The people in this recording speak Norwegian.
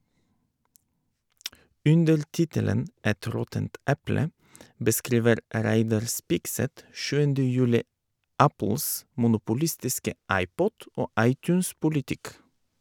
Under tittelen «Et råttent eple» beskriver Reidar Spigseth 7. juli Apples monopolistiske iPod- og iTunes-politikk.